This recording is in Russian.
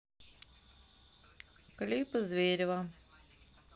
клипы зверева